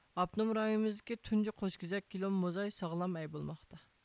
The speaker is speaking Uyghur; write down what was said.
ئاپتونوم رايونىمىزدىكى تۇنجى قوشكېزەك كلون موزاي ساغلام ئەي بولماقتا